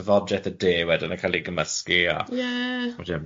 tafodiaith y de wedyn yn cael ei gymysgu a... Ie ie....